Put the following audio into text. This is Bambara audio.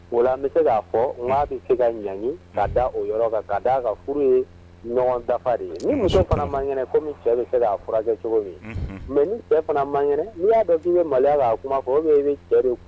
O la an bɛ se k'a fɔ unhun ŋa bɛ se ka ɲaŋi ka da o yɔrɔ kan ka daa kan furu ye ɲɔgɔn dafa de ye ni muso fana man kɛnɛ comme cɛ bɛ se ka furakɛ cogo min unhun mais ni cɛ fana man kɛnɛ n'i y'a dɔn k'i be maloya k'a kuma fɔ ou bien i bi cɛ de